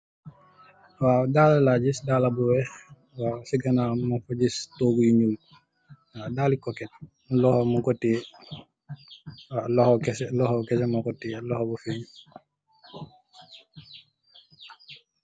Waaw, dalë laa gis, dalë bu weex. Waaw, si ganaaw, mañ fa gis toogu yu ñuul. Waaw, dali kooket, loxo kesse muñ ko taaye.